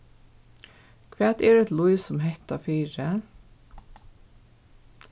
hvat er eitt lív sum hetta fyri